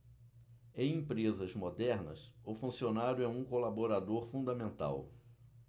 em empresas modernas o funcionário é um colaborador fundamental